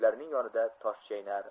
ularning yonida toshchaynar